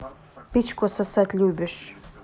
печку сосать любишь